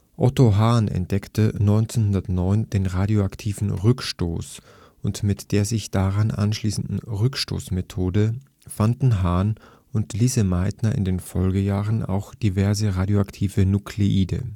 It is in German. Otto Hahn entdeckte 1909 den radioaktiven Rückstoß und mit der sich daran anschließenden „ Rückstoßmethode “fanden Hahn und Lise Meitner in den Folgejahren auch diverse radioaktive Nuklide